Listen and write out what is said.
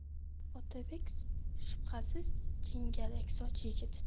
otabek shubhasiz jingalaksoch yigit